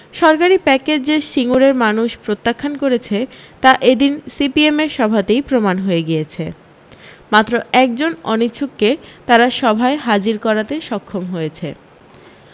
সরকারী প্যাকেজ যে সিঙ্গুরের মানুষ প্রত্যাখ্যান করেছে তা এদিন সিপিএমের সভাতেই প্রমাণ হয়ে গিয়েছে মাত্র একজন অনিচ্ছুককে তারা সভায় হাজির করাতে সক্ষম হয়েছে